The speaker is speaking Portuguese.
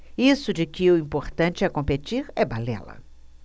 isso de que o importante é competir é balela